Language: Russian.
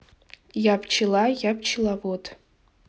я пчела я пчеловод